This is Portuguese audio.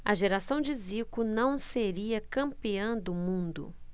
a geração de zico não seria campeã do mundo